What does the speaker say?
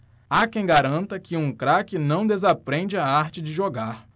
há quem garanta que um craque não desaprende a arte de jogar